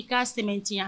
I ka sɛmɛntiya